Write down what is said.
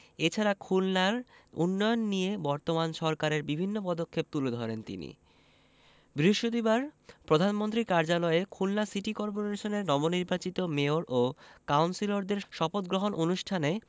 এছাড়া খুলনার উন্নয়ন নিয়ে বর্তমান সরকারের বিভিন্ন পদক্ষেপ তুলে ধরেন তিনি বৃহস্পতিবার প্রধানমন্ত্রীর কার্যালয়ে খুলনা সিটি কর্পোরেশনের নবনির্বাচিত মেয়র ও কাউন্সিলরদের শপথগ্রহণ অনুষ্ঠানে